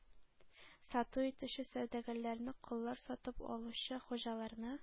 Сату итүче сәүдәгәрләрне, коллар сатып алучы хуҗаларны